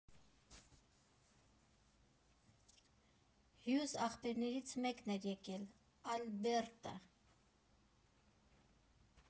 Հյուզ ախպերներից մեկն էր եկել, Ալբերտը։